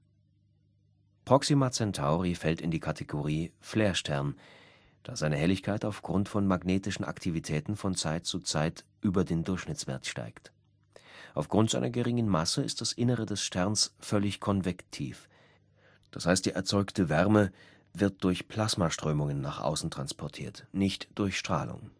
Proxima Centauri fällt in die Kategorie Flarestern, da seine Helligkeit aufgrund von magnetischen Aktivitäten von Zeit zu Zeit über den Durchschnittswert steigt. Aufgrund seiner geringen Masse ist das Innere des Sterns völlig konvektiv (die erzeugte Wärme wird durch Plasmaströmungen nach außen transportiert, nicht durch Strahlung